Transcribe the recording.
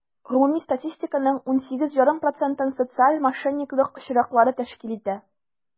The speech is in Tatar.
Гомуми статистиканың 18,5 процентын социаль мошенниклык очраклары тәшкил итә.